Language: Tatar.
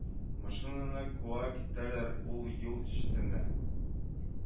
Машинаны куа китәләр, ул юл читенә